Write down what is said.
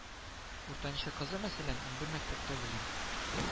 Уртанчы кызы, мәсәлән, унбер мәктәптә белем